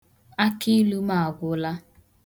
Akịilu m agwụla.